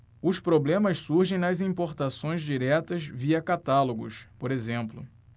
os problemas surgem nas importações diretas via catálogos por exemplo